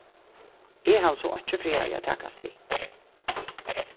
eg havi so einki frægari at takast við